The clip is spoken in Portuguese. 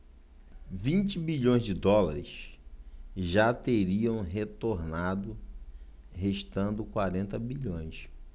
vinte bilhões de dólares já teriam retornado restando quarenta bilhões